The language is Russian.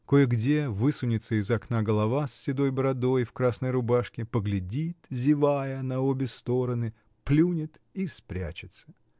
Кое-где высунется из окна голова с седой бородой, в красной рубашке, поглядит, зевая, на обе стороны, плюнет и спрячется.